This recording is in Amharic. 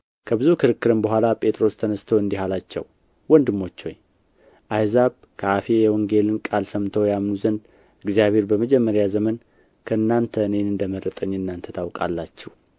ከብዙ ክርክርም በኋላ ጴጥሮስ ተነሥቶ እንዲህ አላቸው ወንድሞች ሆይ አሕዛብ ከአፌ የወንጌልን ቃል ሰምተው ያምኑ ዘንድ እግዚአብሔር በመጀመሪያው ዘመን ከእናንተ እኔን እንደ መረጠኝ እናንተ ታውቃላችሁ